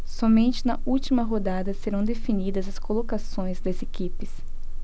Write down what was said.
somente na última rodada serão definidas as colocações das equipes